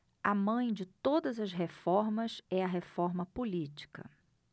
a mãe de todas as reformas é a reforma política